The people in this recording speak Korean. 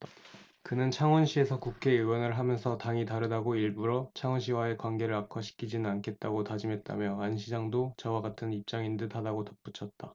그는 창원시에서 국회의원을 하면서 당이 다르다고 일부러 창원시와의 관계를 악화시키지는 않겠다고 다짐했다며 안 시장도 저와 같은 입장인 듯 하다고 덧붙였다